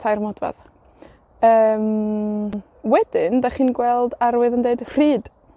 tair modfadd. Yym, wedyn, 'dach chi'n gweld arwydd yn deud rhyd.